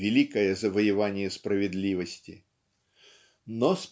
великое завоевание справедливости. Но